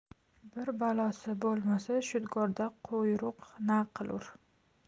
bir balosi bo'lmasa shudgorda quyruq na qilur